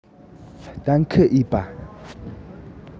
གཏན འཁེལ འོས པ